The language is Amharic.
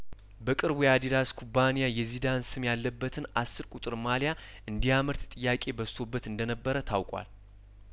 በቅርቡ የአዲዳስ ኩባንያ የዚዳን ስም ያለበትን አስር ቁጥር ማሊያ እንዲያመርት ጥያቄ በዝቶበት እንደነበረ ታውቋል